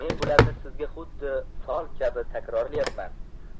men bularni sizga xuddi fol kabi takrorlayapman